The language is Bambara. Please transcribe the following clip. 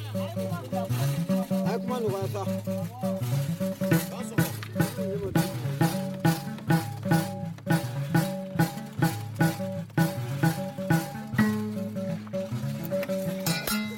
Faama